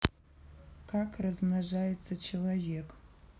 как размножается человек